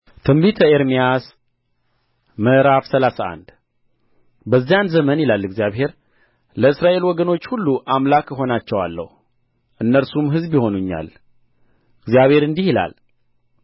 ትንቢተ ኤርምያስ ምዕራፍ ሰላሳ አንድ በዚያን ዘመን ይላል እግዚአብሔር ለእስራኤል ወገኖች ሁሉ አምላክ እሆናቸዋለሁ እነርሱም ሕዝብ ይሆኑኛል እግዚአብሔር እንዲህ ይላል